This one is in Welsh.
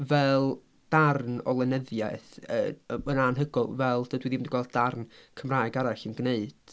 Fel darn o lenyddiaeth yy y we- yn anhygoel fel dydw i ddim 'di gweld darn Cymraeg arall yn gwneud.